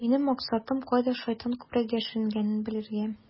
Минем максатым - кайда шайтан күбрәк яшеренгәнен белергә.